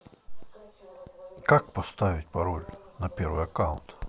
как поставить пароль на первый аккаунт